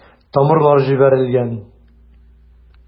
Тамырлар җибәрелгән.